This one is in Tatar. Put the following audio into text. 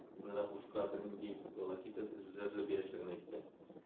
Ны да бушка, бернинди волокитасыз үзе әзерләп бирәчәген әйтте